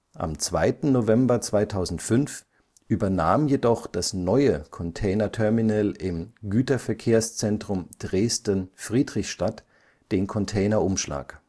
Am 2. November 2005 übernahm jedoch das neue Container-Terminal im Güterverkehrszentrum Dresden-Friedrichstadt den Container-Umschlag